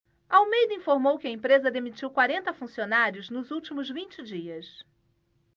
almeida informou que a empresa demitiu quarenta funcionários nos últimos vinte dias